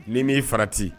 Ni m'i farati